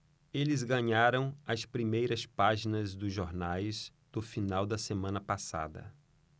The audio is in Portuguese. eles ganharam as primeiras páginas dos jornais do final da semana passada